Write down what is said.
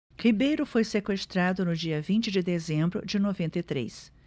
ribeiro foi sequestrado no dia vinte de dezembro de noventa e três